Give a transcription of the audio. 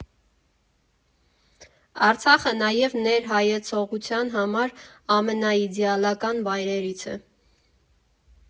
Արցախը նաև ներհայեցողության համար ամենաիդեալական վայրերից է։